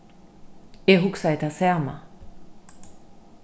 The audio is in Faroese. eg hugsaði tað sama